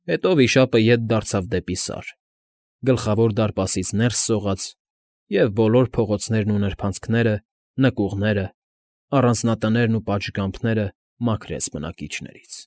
Հետո Վիշապը ետ դարձավ դեպի Սար, Գլխավոր դարպասից ներս սողաց և բոլոր փողոցներն ու նրբանցքները, նկուղները, առանձնատներն ու պատշգամբները մաքրեց բնակիչներից։